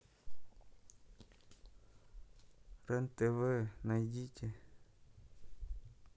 рен тв найдите